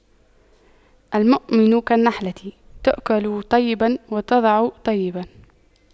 المؤمن كالنحلة تأكل طيبا وتضع طيبا